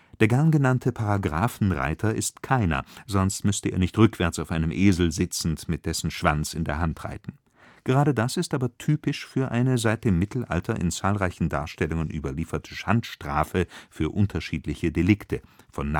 Der gern genannte Paragraphenreiter ist keiner, sonst müßte er nicht rückwärts auf einem Esel sitzend mit dessen Schwanz in der Hand reiten. Gerade das ist aber typisch für eine seit dem Mittelalter in zahlreichen Darstellungen überlieferte Schandstrafe für unterschiedliche Delikte, von